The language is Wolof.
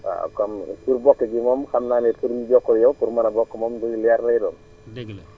waa kon si gerte gi moom xam naa ne pour jokkoo ak yaw pour mën a bokk moom lu leer lay doon